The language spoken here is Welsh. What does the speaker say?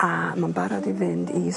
a ma'n barod i fynd i...